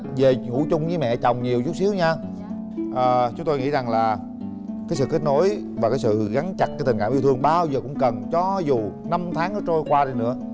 về ngủ chung với mẹ chồng nhiều chút xíu nha ờ chúng tôi nghĩ rằng là cái sự kết nối và cái sự gắn chặt cái tình cảm yêu thương bao cũng cầm cho dù năm tháng có trôi qua đi nữa